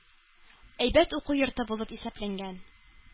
Әйбәт уку йорты булып исәпләнгән,